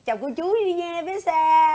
chào cô chú đi nha bé sa